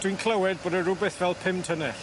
Dwi'n clywed bod e rwbeth fel pum tynnell.